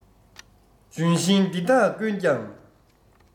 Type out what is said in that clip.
ལྗོན ཤིང འདི དག ཀུན ཀྱང